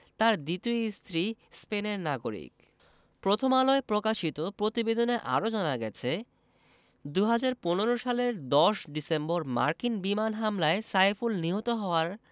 তাঁর দ্বিতীয় স্ত্রী স্পেনের নাগরিক প্রথম আলোয় প্রকাশিত প্রতিবেদনে আরও জানা গেছে ২০১৫ সালের ১০ ডিসেম্বর মার্কিন বিমান হামলায় সাইফুল নিহত হওয়ার